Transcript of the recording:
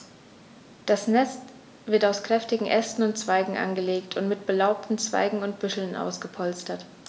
Das Nest wird aus kräftigen Ästen und Zweigen angelegt und mit belaubten Zweigen und Büscheln ausgepolstert.